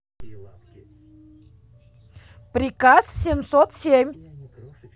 приказ семьсот семь